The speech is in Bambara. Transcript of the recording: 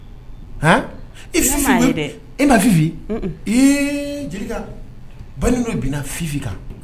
I dɛ i fifin ba n'o bɛ fifin kan